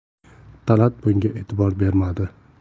talat bunga etibor bermadi